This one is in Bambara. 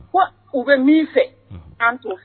Ko u bɛ min fɛ an to